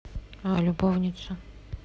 любовница